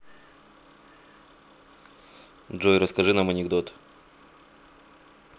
джой расскажи нам анекдот